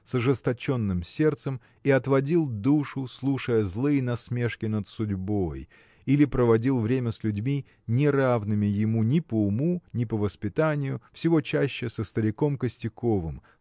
с ожесточенным сердцем и отводил душу слушая злые насмешки над судьбой или проводил время с людьми не равными ему ни по уму ни по воспитанию всего чаще со стариком Костяковым